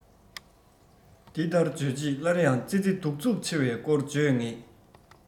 འདི ལྟར བརྗོད རྗེས སླར ཡང ཙི ཙི སྡུག རྩུབ ཆེ བའི སྐོར བརྗོད ངེས